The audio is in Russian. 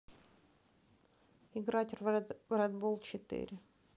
играть в ред болл четыре